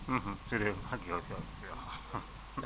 su dee **